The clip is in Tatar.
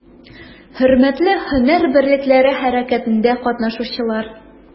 Хөрмәтле һөнәр берлекләре хәрәкәтендә катнашучылар!